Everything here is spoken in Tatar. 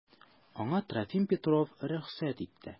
Аңа Трофим Петров рөхсәт итте.